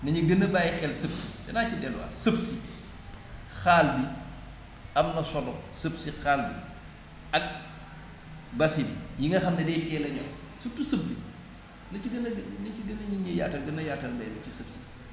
na ñuy gën a bàyyi xel sëb si danaa ci delluwaat sëb si xaal bi am na solo sëb si xaal bi ak basi bi ñi nga xam ne dañ teel a ñor surtout sëb na ci gën a na ci gën a nit ñi yaatal gën a yaatal mbay mi ci sëb si